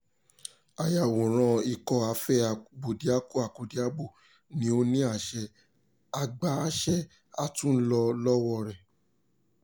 Ayàwòrán Ikọ̀ Afẹ́ Abódiakọ-akọ́diabo ni ó ní àṣẹ, a gba àṣẹ àtúnlò lọ́wọ́ọ rẹ̀.